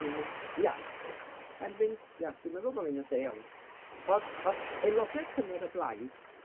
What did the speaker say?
dwi'n mynd ia, rhaid fynd ia dwi'n meddwl bod fi'n yn lle iawn, o'dd o'dd aelode cynnar y blaid